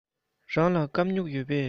རང ལ སྐམ སྨྱུག ཡོད པས